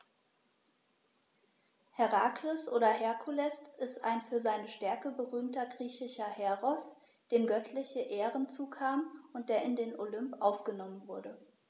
Herakles oder Herkules ist ein für seine Stärke berühmter griechischer Heros, dem göttliche Ehren zukamen und der in den Olymp aufgenommen wurde.